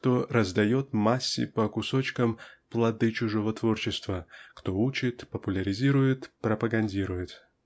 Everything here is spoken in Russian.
кто раздает массе по кусочкам плоды чужого творчества кто учит популяризирует пропагандирует.